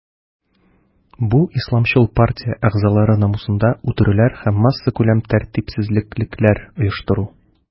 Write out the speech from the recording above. Бу исламчыл партия әгъзалары намусында үтерүләр һәм массакүләм тәртипсезлекләр оештыру.